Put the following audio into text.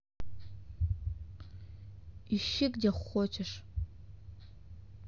ищи где хочешь